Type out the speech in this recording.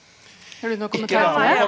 har du noen kommentar til det?